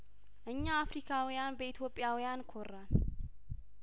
እኛ አፍሪካውያን በኢትዮጵያውያን ኮራን